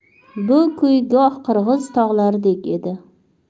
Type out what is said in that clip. bu kuy goh qirg'iz tog'laridek edi